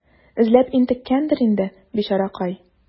Эзләп интеккәндер инде, бичаракай.